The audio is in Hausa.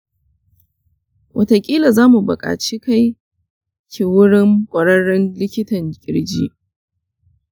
watakila za mu buƙaci kai ki wurin ƙwararren likitan kirji.